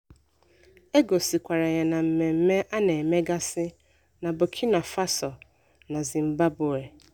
E gosikwara ya na mmemme a na-eme gasị na Burkina Faso na Zimbabwe.